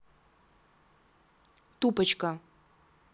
тупочка